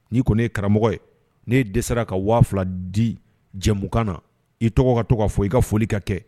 N'i kɔni ye karamɔgɔ ye n' dɛsɛ serara ka waa di jɛmukan na i tɔgɔ ka to'a fɔ i ka foli ka kɛ